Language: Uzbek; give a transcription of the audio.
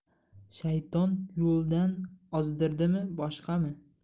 shayton yo'ldan ozdirdimi boshqami